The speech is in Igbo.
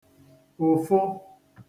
ùfụ